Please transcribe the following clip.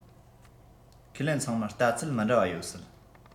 ཁས ལེན ཚང མར ལྟ ཚུལ མི འདྲ བ ཡོད སྲིད